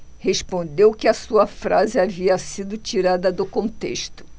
respondeu que a sua frase havia sido tirada do contexto